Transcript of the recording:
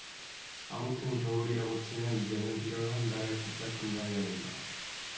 아무튼 겨울이라고 치면 이제는 일 월 한 달을 바짝 긴장해야 된다